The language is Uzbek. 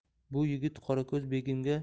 bu yigit qorako'z begimga